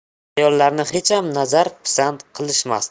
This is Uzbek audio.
ayollarni hecham nazar pisand qilishmasdi